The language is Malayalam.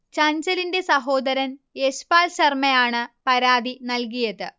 ചഞ്ചലിന്റെ സഹോദരൻ യശ്പാൽ ശർമ്മയാണ് പരാതി നൽകിയത്